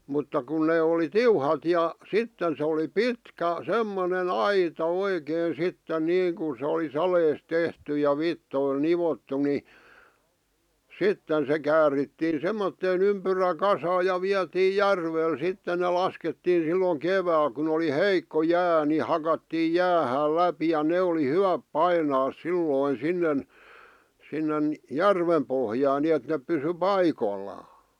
mutta kun ne oli tiuhat ja sitten se oli pitkä semmoinen aita oikein sitten niin kuin se oli saleesta tehty ja vitsoilla nivottu niin sitten se käärittiin semmoiseen ympyräkasaan ja vietiin järvelle sitten ne laskettiin silloin keväällä kun oli heikko jää niin hakattiin jäähän läpi ja ne oli hyvät painaa silloin sinne sinne järven pohjaan niin että ne pysyi paikoillaan